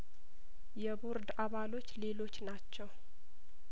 የቦርድ አባሎች ሌሎች ናቸው